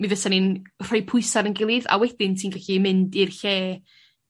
Mi fysan ni'n rhoi pwysa' ar 'yn gilydd a wedyn ti'n gallu mynd i'r lle